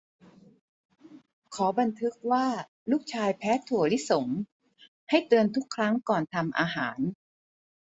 ขอบันทึกว่าลูกชายแพ้ถั่วลิสงให้เตือนทุกครั้งก่อนทำอาหาร